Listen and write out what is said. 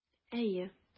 Әйе.